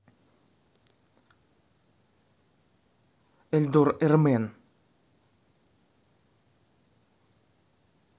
эльдор эрмен